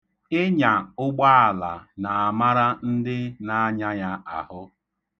Ịnya ụgbaala na-amara ndị na-anya ya ahụ.